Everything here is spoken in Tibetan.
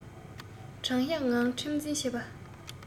དྲང གཞག ངང ཁྲིམས འཛིན བྱེད པ